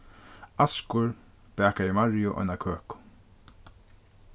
askur bakaði mariu eina køku